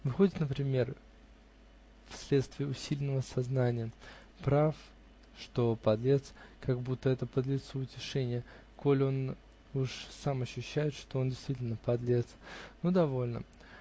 Выходит, например, вследствие усиленного сознания: прав, что подлец, как будто это подлецу утешение, коль он уже сам ощущает, что он действительно подлец. Но довольно.